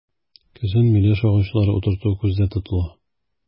Көзен миләш агачлары утырту күздә тотыла.